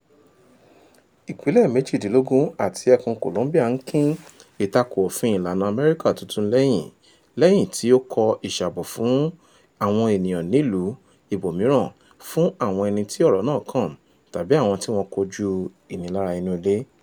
Ìpínlẹ̀ méjìdínlógún àti Ẹkùn Columbia ń kín ìtakò òfin ìlànà U.S tuntun lẹ́hìn tí ó kọ ìṣàbò fún àwọn ènìyàn nílùú ibòmíràn fún àwọn ẹni tí ọ̀rọ̀ náà kàn tàbí àwọn tí wọ́n kojú ìnilára inú-ilé.